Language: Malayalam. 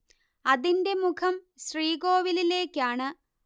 അതിന്റെ മുഖം ശ്രീകോവിലിലേക്കാണ്